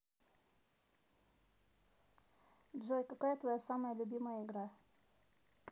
джой какая твоя самая любимая игра